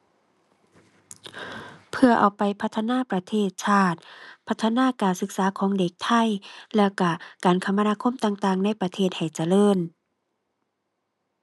เพื่อเอาไปพัฒนาประเทศชาติ พัฒนาการศึกษาของเด็กไทย แล้วก็การคมนาคมต่างต่างในประเทศให้เจริญ